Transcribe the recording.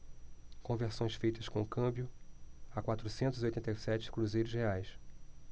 conversões feitas com câmbio a quatrocentos e oitenta e sete cruzeiros reais